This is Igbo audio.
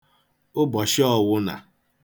ụbọ̀shị ọ̄wụ̄nā